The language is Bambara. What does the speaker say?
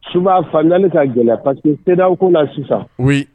Su b'a fa naani ka gɛlɛ pa tɛdaw kunna na sisan bi